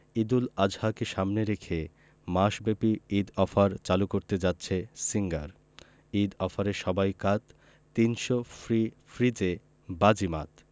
ঈদুল আজহাকে সামনে রেখে মাসব্যাপী ঈদ অফার চালু করতে যাচ্ছে সিঙ্গার ঈদ অফারে সবাই কাত ৩০০ ফ্রি ফ্রিজে বাজিমাত